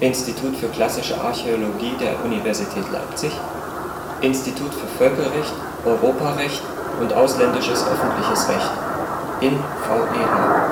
Institut für Klassische Archäologie der Universität Leipzig Institut für Völkerrecht, Europarecht und ausländisches öffentliches Recht (InVEA